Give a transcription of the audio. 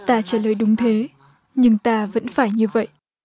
ta trả lời đúng thế nhưng ta vẫn phải như vậy